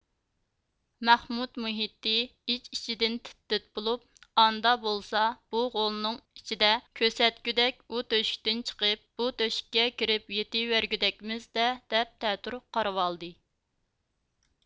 مەھمۇت مۇھىتى ئىچ ئىچىدىن تىت تىت بولۇپ ئاندا بولسا بۇ غولنىڭ ئىچىدە كۆسۆتكىدەك ئۇ تۆشۈكتىن چىقىپ بۇ تۆشۈككە كىرىپ يېتىۋەگۈدەكمىز دە دەپ تەتۈر قارىۋالدى